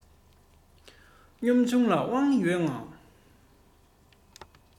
སྙོམས ཆུང ལ དབང ཡོད མང